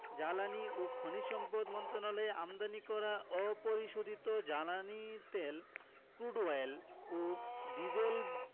জ্বালানি ও খনিজ সম্পদ মন্ত্রণালয়ের আমদানি করা অপরিশোধিত জ্বালানি তেল ক্রুড অয়েল ও ডিজেল